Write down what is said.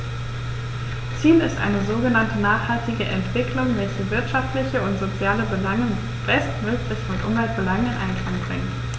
Ziel ist eine sogenannte nachhaltige Entwicklung, welche wirtschaftliche und soziale Belange bestmöglich mit Umweltbelangen in Einklang bringt.